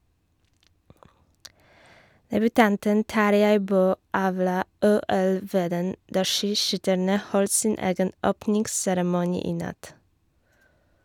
Debutanten Tarjei Bø avla "OL-veden" da skiskytterne holdt sin egen åpningsseremoni i natt.